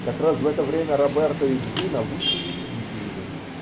Как раз в это время Роберто и Джино выселили Дзину.